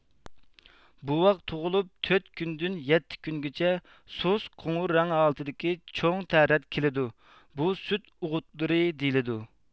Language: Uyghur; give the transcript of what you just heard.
بوۋاق تۇغۇلۇپ تۆت كۈندىن يەتتە كۈنگىچە سۇس قوڭۇر رەڭ ھالىتىدىكى چوڭ تەرەت كېلىدۇ بۇ سۈت ئوغۇتلىرى دېيىلىدۇ